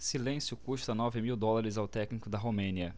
silêncio custa nove mil dólares ao técnico da romênia